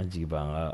An jigi ban an